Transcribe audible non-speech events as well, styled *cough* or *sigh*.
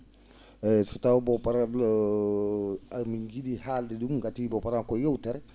eeyi so taw bo para* *hesitation* on nji?ii haalde ?um gati bo para* ko yewtere